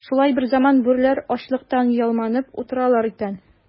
Шулай берзаман бүреләр ачлыктан ялманып утыралар икән.